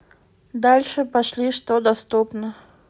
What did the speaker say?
дальше пошли что доступно